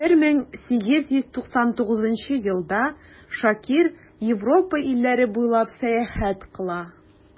1899 елда шакир европа илләре буйлап сәяхәт кыла.